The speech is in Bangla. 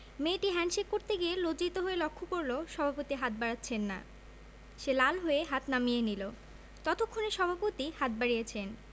মেয়েটি হ্যাণ্ডশেক করতে গিয়ে লজ্জিত হয়ে লক্ষ্য করল সভাপতি হাত বাড়াচ্ছেন না সে লাল হয়ে হাত নামিয়ে নিল ততক্ষনে সভাপতি হাত বাড়িয়েছেন